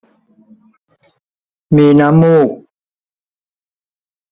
มีน้ำมูก